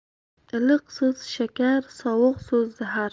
iliq so'z shakar sovuq so'z zahar